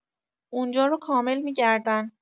اونجا رو کامل می‌گردن